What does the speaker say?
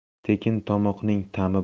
tekin tomoqning ta'mi